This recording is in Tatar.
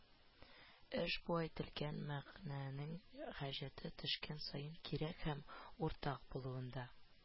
Эш бу әйтелгән мәгънәнең хаҗәте төшкән саен кирәк һәм уртак булуында